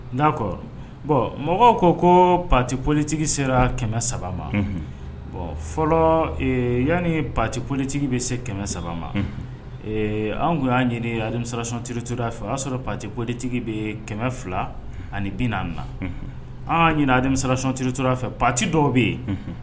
N'a kɔrɔ bɔn mɔgɔw ko ko pati politigi sera kɛmɛ saba ma bon fɔlɔ yan ni pati politigi bɛ se kɛmɛ saba ma an tun y'a ɲini alimisactiri toraur a fɛ o y'a sɔrɔ pati politigi bɛ kɛmɛ fila ani bin na an ɲininamisactiri tora fɛ pati dɔw bɛ yen